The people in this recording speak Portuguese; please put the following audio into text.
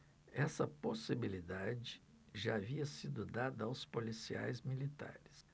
essa possibilidade já havia sido dada aos policiais militares